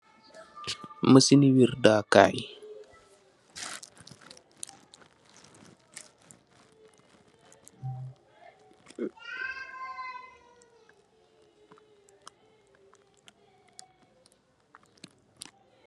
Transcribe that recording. Machine ne werrda kaye.